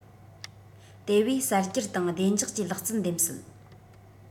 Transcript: དེ བས གསར སྒྱུར དང བདེ འཇགས ཀྱི ལག རྩལ འདེམས སྲིད